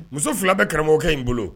Muso fila bɛ karamɔgɔkɛ in n bolo